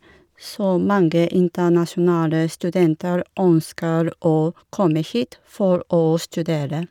Så mange internasjonale studenter ønsker å komme hit for å studere.